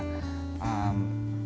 ờ